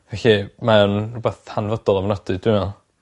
Felly mae yn rhwbath hanfodol ofnadwy dwi me'wl.